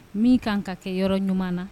Min kan ka kɛ yɔrɔ ɲuman na